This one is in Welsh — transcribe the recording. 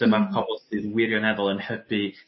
Dyma'r pobol sydd wirioneddol yn hybu